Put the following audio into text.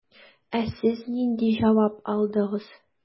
Ә сез нинди җавап алдыгыз?